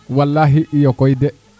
wally iyo koy de